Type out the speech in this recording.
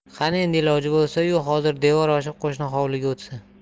qani endi iloji bo'lsa yu hozir devor oshib qo'shni hovliga o'tsa